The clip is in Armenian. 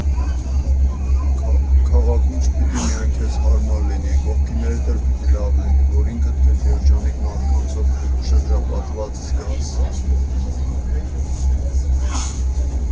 Քաղաքում չպիտի միայն քեզ հարմար լինի, կողքիններիդ էլ պիտի լավ լինի, որ ինքդ քեզ երջանիկ մարդկանցով շրջապատված զգաս։